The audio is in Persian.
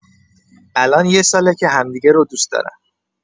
الان یه ساله که همدیگه رو دوست دارن